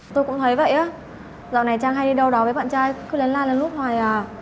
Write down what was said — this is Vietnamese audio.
tôi cũng thấy vậy á dạo này trang hay đâu đó với bạn trai cứ lén la lén nút hoài à